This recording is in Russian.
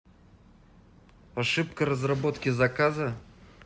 ошибка работки заказа